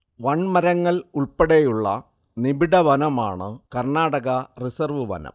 വൻമരങ്ങൾ ഉൾപ്പെടെയുള്ള നിബിഢവനമാണ് കർണാടക റിസർവ് വനം